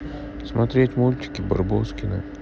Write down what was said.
смотреть мультики барбоскины